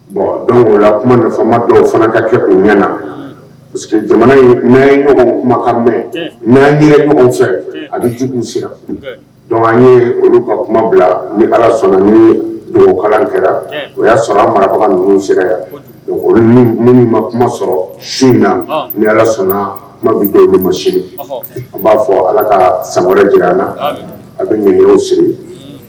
Bon don o lama dɔw fana ka kɛ u ɲɛ na jamanakan mɛn fɛ ani sera dɔn ye olu ka kuma bila ni ala sɔnna ni don kɛra o y'a sɔrɔ an marabagaw ninnu sera yan olu min ma kuma sɔrɔ su na ni ala sɔnna kuma bɛ jɔ ma sini an b'a fɔ ala ka sama wɛrɛ jira an na a bɛ ɲ siri